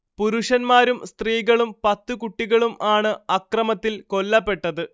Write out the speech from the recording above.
പുരുഷന്മാരും സ്ത്രീകളും പത്തു കുട്ടികളും ആണ് അക്രമത്തിൽ കൊല്ലപ്പെട്ടത്